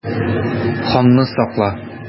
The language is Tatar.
Ханны сакла!